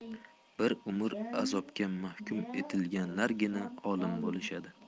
bir umr azobga mahkum etilganlargina olim bo'lishadi